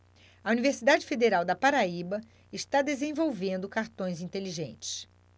a universidade federal da paraíba está desenvolvendo cartões inteligentes